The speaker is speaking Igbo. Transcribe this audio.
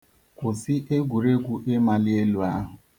Kwụsi egwuregwu ịmali elu ahụ.